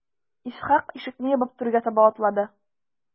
Исхак ишекне ябып түргә таба атлады.